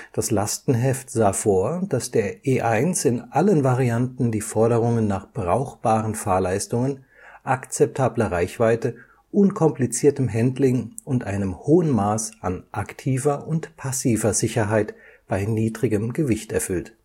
Das Lastenheft sah vor, dass der E1 in allen Varianten die Forderungen nach brauchbaren Fahrleistungen, akzeptabler Reichweite, unkompliziertem Handling und einem hohen Maß an aktiver und passiver Sicherheit bei niedrigem Gewicht erfüllt